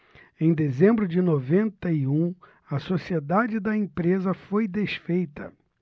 em dezembro de noventa e um a sociedade da empresa foi desfeita